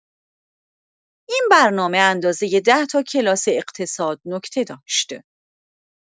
این برنامه اندازه ده‌تا کلاس اقتصاد نکته داشت.